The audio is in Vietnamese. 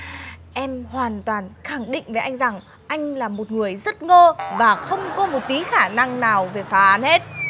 em hoàn toàn khẳng định với anh rằng anh là một người rất ngơ và không có một tí khả năng nào về phá án hết